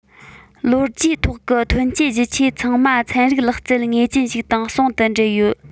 ལོ རྒྱུས ཐོག གི ཐོན སྐྱེད རྒྱུ ཆས ཚང མ ཚན རིག ལག རྩལ ངེས ཅན ཞིག དང ཟུང དུ འབྲེལ ཡོད